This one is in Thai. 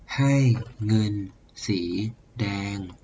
ให้เงินสีแดง